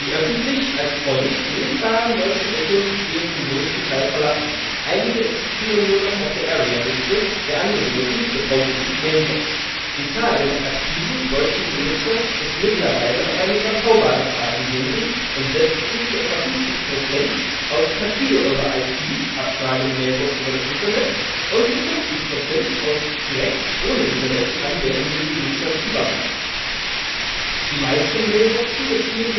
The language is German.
öffentlich (als Point) lesbaren deutschen Echos stehen zum größten Teil verlassen, einige existieren nur noch auf der Area-Liste der angewählten („ gepollten”) Mailbox. Die Zahl der noch aktiven (deutschen) Benutzer ist mittlerweile auf eine überschaubare Zahl gesunken und setzt sich zu etwa 50% aus per Fido-over-IP (Abfrage der Mailbox über das Internet) und zu 50% aus direkt (ohne Internet) anwählenden Benutzern zusammen. Die meisten Mailboxen beziehen